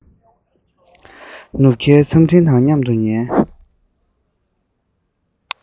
ནུབ ཁའི མཚམས སྤྲིན དང མཉམ དུ ཡལ